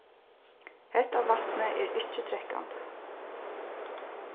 hetta vatnið er ikki drekkandi